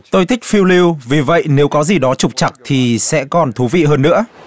tôi thích phiêu lưu vì vậy nếu có gì đó trục trặc thì sẽ còn thú vị hơn nữa